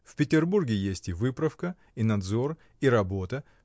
В Петербурге есть и выправка, и надзор, и работа